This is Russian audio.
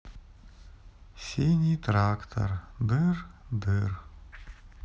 синий трактор дыр дыр